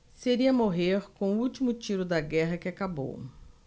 seria morrer com o último tiro da guerra que acabou